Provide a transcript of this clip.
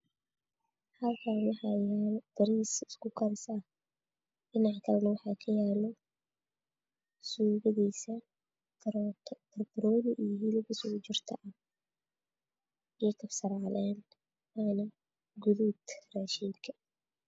meeshan waxa yaalo miis ay ku hoos jirto bisad caddan ah oo ugaarsanayso jiir